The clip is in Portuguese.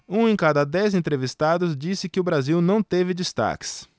um em cada dez entrevistados disse que o brasil não teve destaques